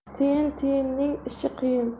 tiyin tiyinning ishi qiyin